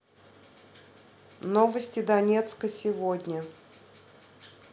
новости донецка сегодня